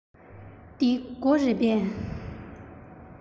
འདི སྒོ རེད པས